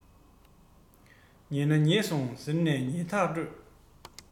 ཉེས ན ཉེས སོང ཟེར ནས ཉེས གཏགས ཐོངས